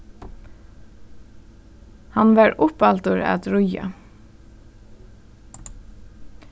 hann var uppaldur at ríða